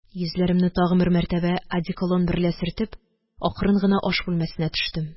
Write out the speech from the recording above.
Йөзләремне тагы бер мәртәбә одеколон берлә сөртеп, акрын гына аш бүлмәсенә төштем.